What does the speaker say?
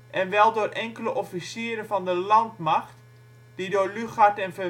en wel door enkele officieren van de Landmacht die door Lugard en